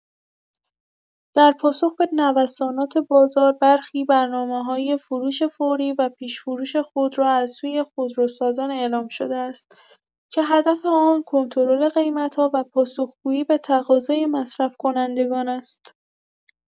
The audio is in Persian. در پاسخ به نوسانات بازار، برخی برنامه‌‌های فروش فوری و پیش‌فروش خودرو از سوی خودروسازان اعلام شده است که هدف آن کنترل قیمت‌ها و پاسخگویی به تقاضای مصرف‌کنندگان است.